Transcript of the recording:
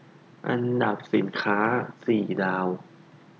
อันดับสินค้าสี่ดาว